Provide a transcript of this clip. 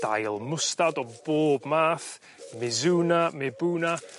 dail mwstad o bob math mizuna mibuna